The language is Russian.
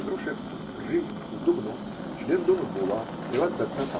Грушевский, Л. Крживицкий, С. Дубнов, член Думы Булат, прив. -доц.